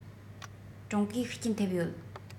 ཀྲུང གོའི ཤུགས རྐྱེན ཐེབས ཡོད